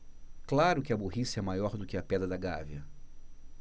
claro que a burrice é maior do que a pedra da gávea